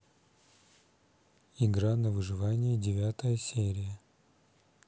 игра на выживание девятая серия